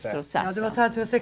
ja du må ta en tur og se.